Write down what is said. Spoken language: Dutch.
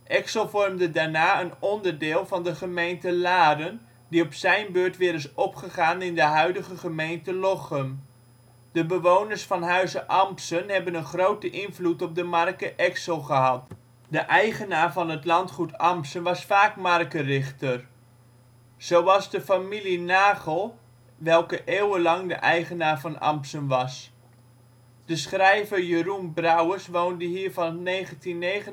Exel vormde daarna een onderdeel van de gemeente Laren, die op zijn beurt weer is opgegaan in de huidige gemeente Lochem. De bewoners van huize Ampsen hebben een grote invloed op de marke Exel gehad. De eigenaar van het landgoed Ampsen was vaak markerichter (huidige burgemeester). Zoals de familie Nagell, welke eeuwenlang de eigenaar van Ampsen was. De schrijver Jeroen Brouwers woonde hier van 1979